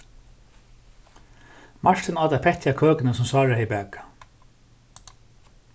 martin át eitt petti av køkuni sum sára hevði bakað